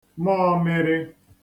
mọọ̄mị̄rị̄